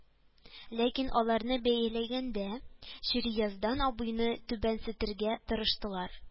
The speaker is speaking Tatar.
Ләкин аларны бәяләгәндә, Ширияздан абыйны түбәнсетергә тырыштылар